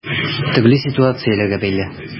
Төрле ситуацияләргә бәйле.